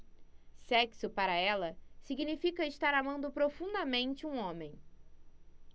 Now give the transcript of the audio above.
sexo para ela significa estar amando profundamente um homem